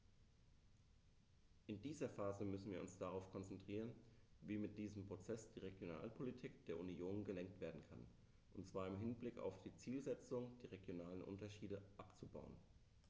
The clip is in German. In dieser Phase müssen wir uns darauf konzentrieren, wie mit diesem Prozess die Regionalpolitik der Union gelenkt werden kann, und zwar im Hinblick auf die Zielsetzung, die regionalen Unterschiede abzubauen.